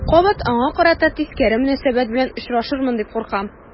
Кабат аңа карата тискәре мөнәсәбәт белән очрашырмын дип куркам.